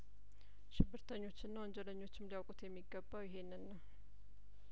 ሽብርተኞችና ወንጀለኞችም ሊያውቁት የሚገባው ይሄንን ነው